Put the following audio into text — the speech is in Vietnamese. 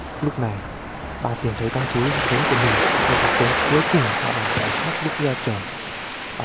lúc này bà tìm thấy trong túi hạt giống của mình một hạt cuối cùng mà bà đã bỏ sót lúc gieo trồng